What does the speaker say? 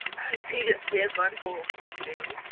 Ti jyst ddim yn hoff wyt ti?